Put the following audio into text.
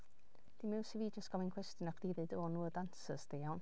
Dim iws i fi jyst gofyn cwestiwn a chdi ddeud one word answers sdi, iawn?